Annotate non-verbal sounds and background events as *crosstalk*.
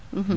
*hesitation* *hesitation*